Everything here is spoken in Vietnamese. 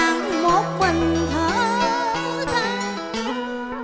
một mình thở than